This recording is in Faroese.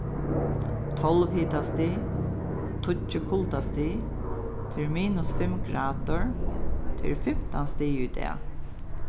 tólv hitastig tíggju kuldastig tað eru minus fimm gradir tað eru fimtan stig í dag